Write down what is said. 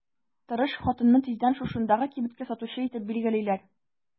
Тырыш хатынны тиздән шушындагы кибеткә сатучы итеп билгелиләр.